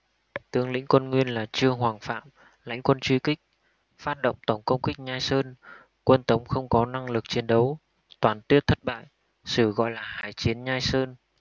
tướng lĩnh quân nguyên là trương hoằng phạm lãnh quân truy kích phát động tổng công kích nhai sơn quân tống không có năng lực chiến đấu toàn tuyết thất bại sử gọi là hải chiến nhai sơn